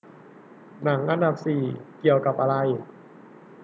หนังอันดับสี่เกี่ยวกับอะไร